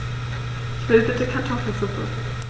Ich will bitte Kartoffelsuppe.